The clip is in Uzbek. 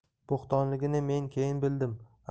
bo'htonligini men keyin bildim